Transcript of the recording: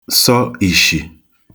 sọ ìshì